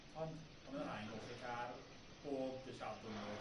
Ond… A ma' 'na rhai'n golchi car bob dydd Sadwrn does?